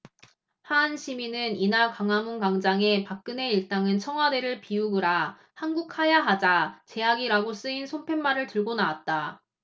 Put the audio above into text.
한 시민은 이날 광화문광장에 박근혜 일당은 청와대를 비우그라 한국하야하자 제약이라고 쓰인 손팻말을 들고 나왔다